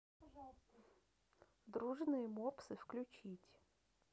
дружные мопсы включить